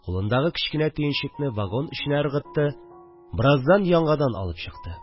Кулындагы кечкенә төенчекне вагон эченә ыргытты, бераздан яңадан алып чыкты